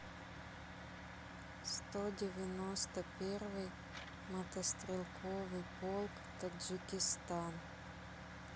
сто девяносто первый мотострелковый полк таджикистан